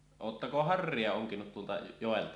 oletteko harreja onkinut tuolta joelta